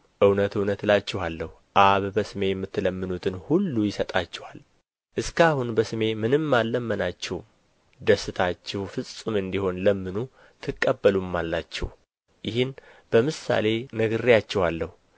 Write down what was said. እውነት እውነት እላችኋለሁ አብ በስሜ የምትለምኑትን ሁሉ ይሰጣችኋል እስከ አሁን በስሜ ምንም አልለመናችሁም ደስታችሁ ፍጹም እንዲሆን ለምኑ ትቀበሉማላችሁ ይህን በምሳሌ ነግሬአችኋለሁ